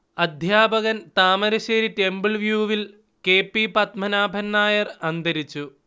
അധ്യാപകൻ താമരശ്ശേരി ടെമ്പിൾവ്യൂവിൽ K. P. Padmanabhan Nair അന്തരിച്ചു